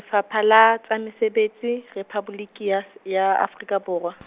fapha la tsa Mesebetsi, Rephaboliki ya Af-, ya Afrika Borwa .